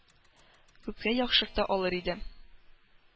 Күпкә яхшырта алыр иде.